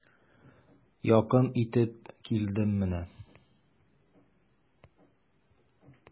Якын итеп килдем менә.